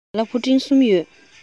ང ལ ཕུ འདྲེན གསུམ ཡོད